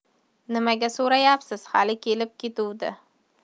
nimaga so'rayapsiz hali kelib ketuvdi